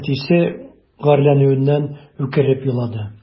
Әтисе гарьләнүеннән үкереп елады.